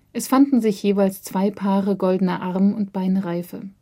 Es fanden sich jeweils zwei Paare goldener Arm - und Beinreife